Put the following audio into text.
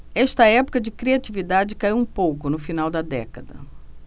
esta época de criatividade caiu um pouco no final da década